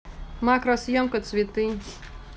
макросьемка цветы